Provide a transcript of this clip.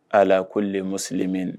Ala ko le mo sigilen min